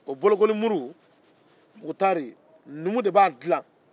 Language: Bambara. o bolokolimuru mukutari numu de b'a dilan